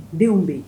Denw bɛ yen